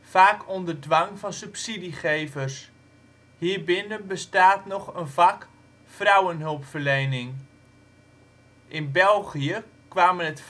vaak onder dwang van subsidiegevers. Hierbinnen bestaat nog een vak vrouwenhulpverlening. In België kwamen het